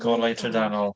Golau trydanol.